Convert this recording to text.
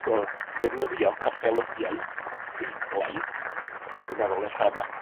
'C o ddefnyddio caffaelybiaeth Feiblaidd, rwy'n meddwl ella ma'